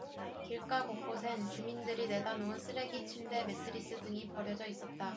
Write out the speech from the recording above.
길가 곳곳엔 주민들이 내다 놓은 쓰레기 침대 매트리스 등이 버려져 있었다